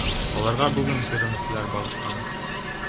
Аларга бүген зур өметләр баглана.